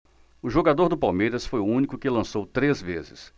o jogador do palmeiras foi o único que lançou três vezes